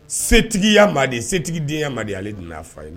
Setigiyadi setigi diya madi ale dun n'a fa ye